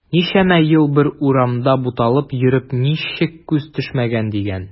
Ничәмә ел бер урамда буталып йөреп ничек күз төшмәгән диген.